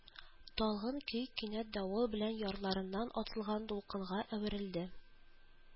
Талгын көй кинәт давыл белән ярларыннан атылган дулкынга әверелде